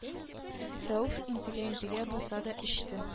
Рәүф интегә-интегә булса да эчте